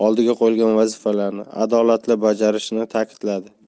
ortiqxo'jayev oldiga qo'yilgan vazifalarni adolatli bajarishini ta'kidladi